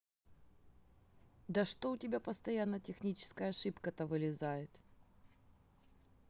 да что у тебя постоянно техническая ошибка то вылезает